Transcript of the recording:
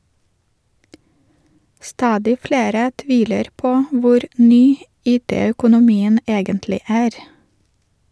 Stadig flere tviler på hvor "ny" IT-økonomien egentlig er.